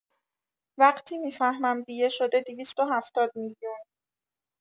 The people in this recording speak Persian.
وقتی می‌فهمم دیه شده ۲۷۰ میلیون